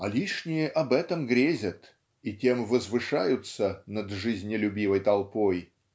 а лишние об этом грезят и тем возвышаются над жизнелюбивой толпой.